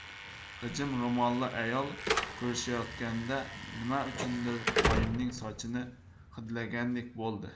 g'ijim ro'molli ayol ko'rishayotganda nima uchundir oyimning sochini hidlagandek bo'ldi